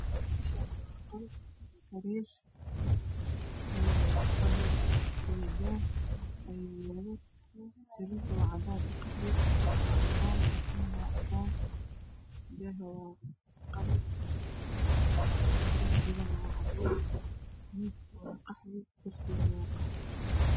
Meeshani waa qol sariir iyo fadhi iyo daah ayaa yalo sariirta waa caadn iyo qaxwi goa waa caadn parkinta waa cadan daaha waa qalin darpiga wa cadees miiska waa qaxwi kursigana wa qaxwi